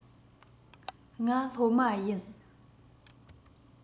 ང སློབ མ ཡིན